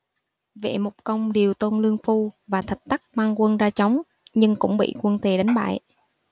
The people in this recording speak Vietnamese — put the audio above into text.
vệ mục công điều tôn lương phu và thạch tắc mang quân ra chống nhưng cũng bị quân tề đánh bại